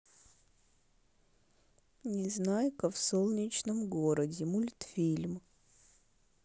незнайка в солнечном городе мультфильм